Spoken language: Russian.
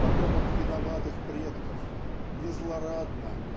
Потомок виноватых предков не злорадно